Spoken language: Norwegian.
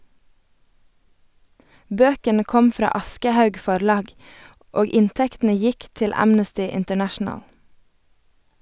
Bøkene kom fra Aschehoug Forlag, og inntektene gikk til Amnesty International.